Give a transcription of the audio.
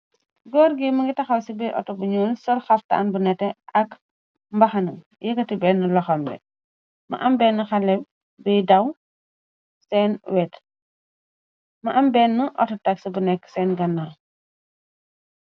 Goor g manga taxaw ci biy autobu ñuul sor xaftaan bu nete ak mbaxana yegati benn loxamle ma am benn xale biy daw seen wet ma am benn ortotax bu nekk seen gannal.